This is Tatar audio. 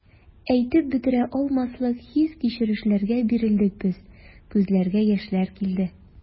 Әйтеп бетерә алмаслык хис-кичерешләргә бирелдек без, күзләргә яшьләр килде.